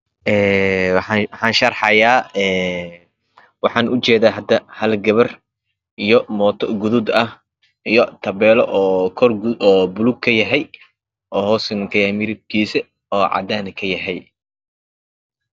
Een waxan ujedahadahal gabar iyo motogadud ah iyo tabelo korbalugka ah hosnakayahay midibkisa kayahay cadaan